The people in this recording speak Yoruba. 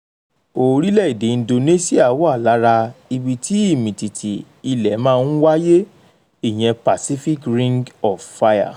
Orílẹ̀-èdè Indonesia wà lára ibi tí ìmìtìtì ilẹ̀ máa ń wáyé, ìyẹn Pacific Ring of Fire.